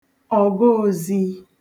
ọgaozī